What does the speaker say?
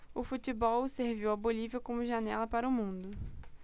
o futebol serviu à bolívia como janela para o mundo